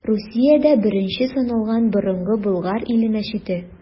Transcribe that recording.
Русиядә беренче саналган Борынгы Болгар иле мәчете.